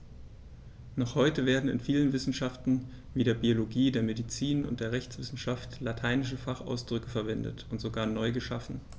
Noch heute werden in vielen Wissenschaften wie der Biologie, der Medizin und der Rechtswissenschaft lateinische Fachausdrücke verwendet und sogar neu geschaffen.